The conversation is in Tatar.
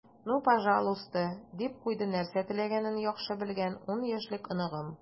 "ну пожалуйста," - дип куйды нәрсә теләгәнен яхшы белгән ун яшьлек оныгым.